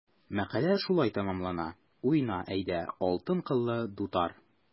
Мәкалә шулай тәмамлана: “Уйна, әйдә, алтын кыллы дутар!"